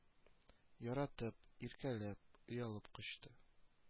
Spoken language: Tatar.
Яратып, иркәләп, оялып кочты